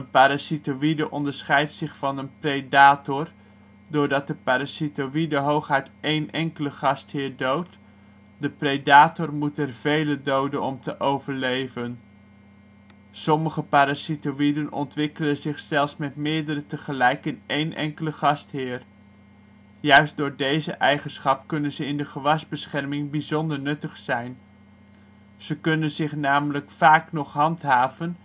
parasitoïde onderscheidt zich van een predator doordat de parasitoïde hooguit één enkele gastheer doodt, de predator moet er vele doden om te overleven. Sommige parasitoïden ontwikkelen zich zelfs met meerdere tegelijk in één enkele gastheer. Juist door deze eigenschap kunnen ze in de gewasbescherming bijzonder nuttig zijn: ze kunnen zich namelijk vaak nog handhaven